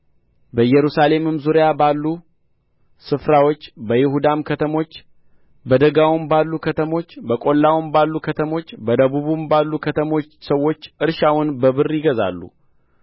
በኢየሩሳሌምም ዙሪያ ባሉ ስፍራዎች በይሁዳም ከተሞች በደጋውም ባሉ ከተሞች በቈላውም ባሉ ከተሞች በደቡብም ባሉ ከተሞች ሰዎች እርሻውን በብር ይገዛሉ